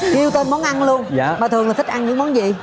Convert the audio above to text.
kêu tên món ăn luôn mà thường là thích ăn những món gì